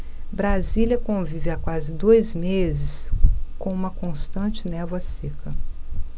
brasília convive há quase dois meses com uma constante névoa seca